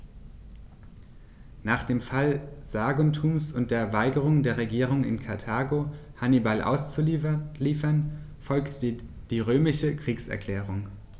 Nach dem Fall Saguntums und der Weigerung der Regierung in Karthago, Hannibal auszuliefern, folgte die römische Kriegserklärung.